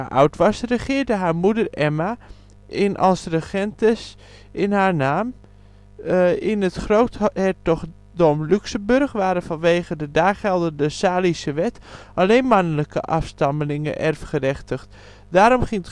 oud was regeerde haar moeder Emma in als regentes in haar naam. In het Groothertogdom Luxemburg waren vanwege de daar geldende Salische wet alleen mannelijke afstammelingen erfgerechtigd. Daarom ging